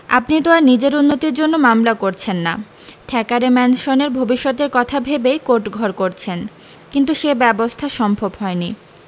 আপনি তো আর নিজের উন্নতির জন্য মামলা করছেন না থ্যাকারে ম্যানসনের ভবিষ্যতের কথা ভেবেই কোট ঘর করছেন কিন্তু সে ব্যবস্থা সম্ভব হয়নি